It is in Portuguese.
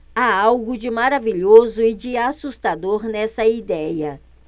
há algo de maravilhoso e de assustador nessa idéia